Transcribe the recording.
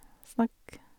Snakk.